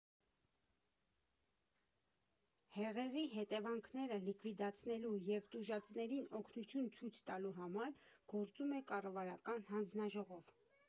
Հեղեղի հետևանքները լիկվիդացնելու և տուժածներին օգնություն ցույց տալու համար գործում է կառավարական հանձնաժողով։